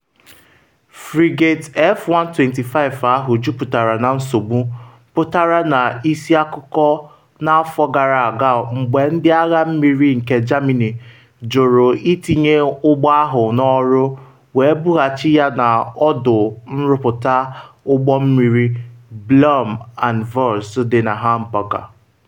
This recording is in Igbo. Frigate F125 ahụ juputara na nsogbu pụtara n’isi akụkọ n’afọ gara aga mgbe Ndị Agha Mmiri nke Germany jụrụ itinye ụgbọ ahụ n’ọrụ wee bughachi ya na ọdụ nrụpụta ụgbọ mmiri Blohm & Voss dị na Hamburg.